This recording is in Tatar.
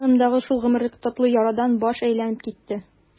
Җанымдагы шул гомерлек татлы ярадан баш әйләнеп китте.